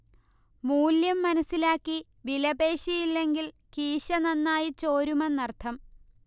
മൂല്യം മനസ്സിലാക്കി വിലപേശിയില്ലെങ്കിൽ കീശ നന്നായി ചോരുമെന്നർഥം